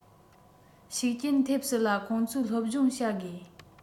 ཤུགས རྐྱེན ཐེབས སྲིད ལ ཁོང ཚོའི སློབ སྦྱོང བྱ དགོས